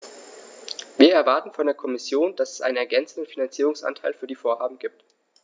Wir erwarten von der Kommission, dass es einen ergänzenden Finanzierungsanteil für die Vorhaben gibt.